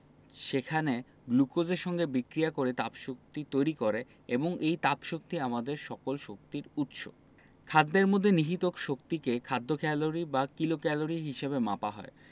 সেখানে গ্লুকোজের সঙ্গে বিক্রিয়া করে তাপশক্তি তৈরি করে এবং এই তাপশক্তি আমাদের সকল শক্তির উৎস খাদ্যের মধ্যে নিহিত শক্তিকে খাদ্য ক্যালরি বা কিলোক্যালরি হিসেবে মাপা হয়